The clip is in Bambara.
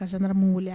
Kasara mun weele